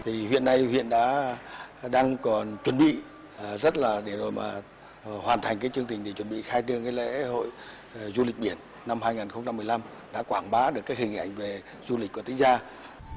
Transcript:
thì hiện nay huyện đã đang còn chuẩn bị rất là để rồi mà hoàn thành cái chương trình để chuẩn bị khai trương cái lễ hội du lịch biển năm hai ngàn không trăm mười lăm đã quảng bá được cái hình ảnh về du lịch của tĩnh gia